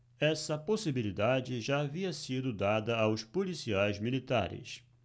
essa possibilidade já havia sido dada aos policiais militares